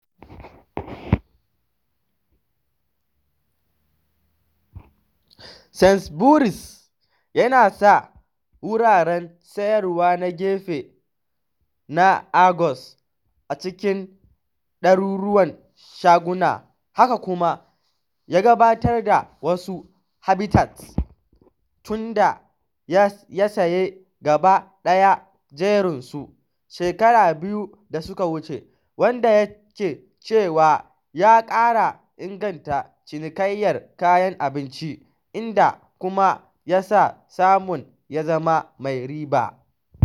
Sainsbury’s yana sa wuraren sayarwa na gefe na Argos a cikin ɗaruruwan shaguna haka kuma ya gabatar da wasu Habitats tun da ya saye gaba ɗaya jerinsu shekaru biyu da suka wuce, wanda yake cewa ya ƙara inganta cinikayyar kayan abinci inda kuma ya sa samun ya zama mai riba.